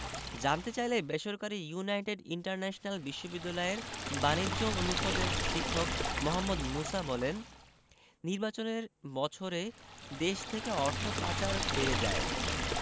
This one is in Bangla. জানতে চাইলে বেসরকারি ইউনাইটেড ইন্টারন্যাশনাল বিশ্ববিদ্যালয়ের বাণিজ্য অনুষদের শিক্ষক মোহাম্মদ মুসা বলেন নির্বাচনের বছরে দেশ থেকে অর্থ পাচার বেড়ে যায়